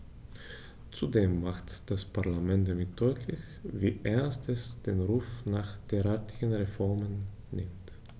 Zudem macht das Parlament damit deutlich, wie ernst es den Ruf nach derartigen Reformen nimmt.